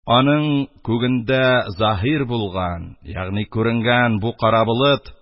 Аның күгендә заһир булган ягъни күренгән бу кара болыт,